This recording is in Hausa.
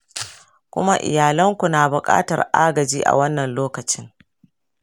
kuma iyalanku na buƙatar agaji a wannan lokacin.